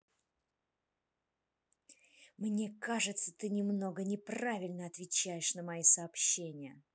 мне кажется ты немного неправильно отвечаешь на мои сообщения